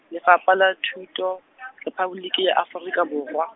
Lefapha la Thuto, Rephaboliki ya Afrika Borwa.